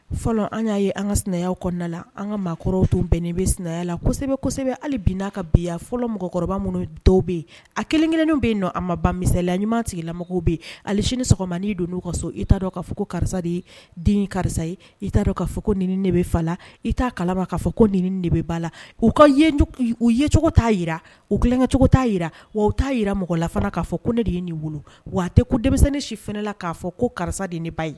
Fɔlɔ an y'a ye an ka sina kɔnɔna la an ka maakɔrɔw tun bɛnnen bɛ la kosɛbɛsɛbɛ hali bi n'a ka bi fɔlɔ mɔgɔkɔrɔba minnu dɔw bɛ yen a kelen-kelen bɛ yen nɔ an ma ba misaya ɲuman sigilamɔgɔ bɛ yen ali sini sɔgɔmanin donna'u ka so i taa dɔn ka fɔ ko karisa de ye den karisa ye i taa kaa fɔ ko ni de bɛ fa la i t' kalama k'a fɔ ko ni de bɛ ba la u ka u yecogo t'a yi u gkɛcogo t'a jira wa u t'a jirara mɔgɔla fana k'a fɔ ko ne de ye nin wolo wa tɛ ko denmisɛnninni si fanala k'a fɔ ko karisa de ni ba ye